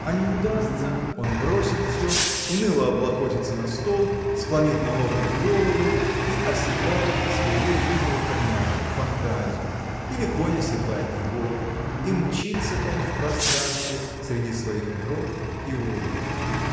А не удастся, он бросит всё, уныло облокотится на стол, склонит на локоть голову и оседлает своего любимого коня, фантазию, или конь оседлает его, и мчится он в пространстве, среди своих миров и образов.